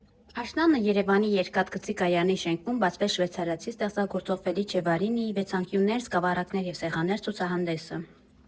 Աշնանը Երևանի երկաթգծի կայարանի շենքում բացվեց շվեյցարացի ստեղծագործող Ֆելիչե Վարինիի «Վեցանկյուններ, սկավառակներ և սեղաններ» ցուցահանդեսը։